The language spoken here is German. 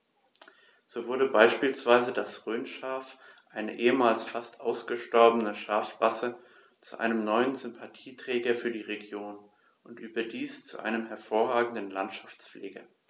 So wurde beispielsweise das Rhönschaf, eine ehemals fast ausgestorbene Schafrasse, zu einem neuen Sympathieträger für die Region – und überdies zu einem hervorragenden Landschaftspfleger.